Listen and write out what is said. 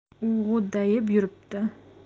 u g'o'ddayib yuribdi